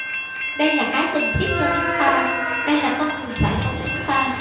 đây là cái cần thiết cho chúng ta đây là con đường giải phóng chúng ta